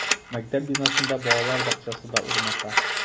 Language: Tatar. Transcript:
Мәктәп бинасында балалар бакчасы да урнаша.